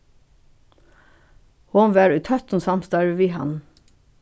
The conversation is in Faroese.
hon var í tøttum samstarvi við hann